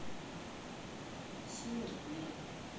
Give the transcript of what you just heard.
сила любви